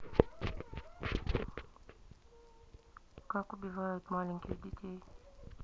как убивают маленьких детей